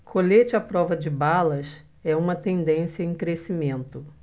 colete à prova de balas é uma tendência em crescimento